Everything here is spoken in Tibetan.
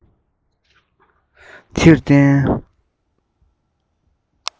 དེར བརྟེན